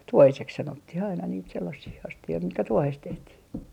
tuohiseksi sanottiin aina niitä sellaisia astioita mitkä tuohesta tehtiin